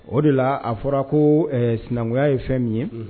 O de la a fɔra ko sinankunya ye fɛn min ye